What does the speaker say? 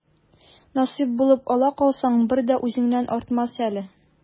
Насыйп булып ала калсаң, бер дә үзеңнән артмас әле.